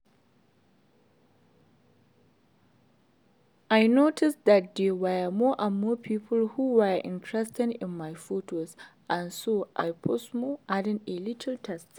I noticed that there were more and more people who were interested in my photos and so I posted more, adding a little text.